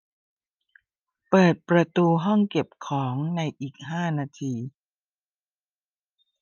เปิดประตูห้องเก็บของในอีกห้านาที